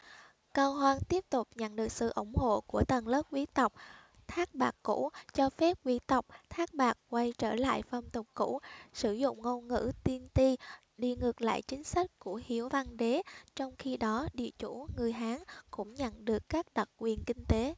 cao hoan tiếp tục nhận được sự ủng hộ của tầng lớp quý tộc thác bạt cũ cho phép quý tộc thác bạt quay trở lại phong tục cũ sử dụng ngôn ngữ tiên ty đi ngược lại chính sách của hiếu văn đế trong khi đó địa chủ người hán cũng nhận được các đặc quyền kinh tế